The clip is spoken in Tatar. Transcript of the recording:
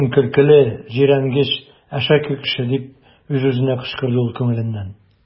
Син көлкеле, җирәнгеч, әшәке кеше! - дип үз-үзенә кычкырды ул күңеленнән.